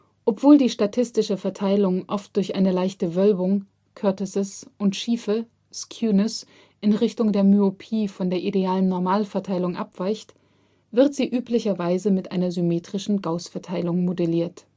Obwohl die statistische Verteilung oft durch eine leichte Wölbung (kurtosis) und Schiefe (skewness) in Richtung der Myopie von der idealen Normalverteilung abweicht, wird sie üblicherweise mit einer symmetrischen Gaußverteilung modelliert